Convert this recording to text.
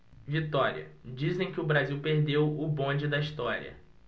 vitória dizem que o brasil perdeu o bonde da história